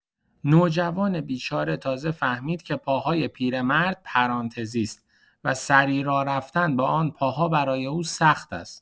نوجوان بیچاره تازه فهمید که پاهای پیرمرد پرانتزی است و سریع راه‌رفتن با آن پاها برای او سخت است!